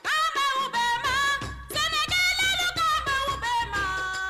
An b'aw bɛɛ maa sɛnɛkɛlalu k'an b'aw bɛɛ maa